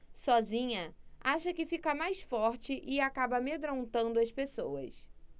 sozinha acha que fica mais forte e acaba amedrontando as pessoas